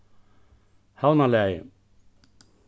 havnarlagið